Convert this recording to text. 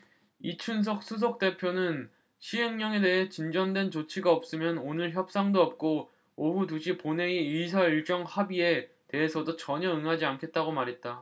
이춘석 수석부대표는 시행령에 대해 진전된 조치가 없으면 오늘 협상도 없고 오후 두 시 본회의 의사일정 합의에 대해서도 전혀 응하지 않겠다고 말했다